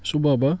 su booba